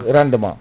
rendement